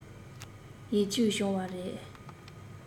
ཡིག རྒྱུགས སྦྱོང བ རེད